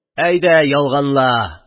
– әйдә, ялганла!..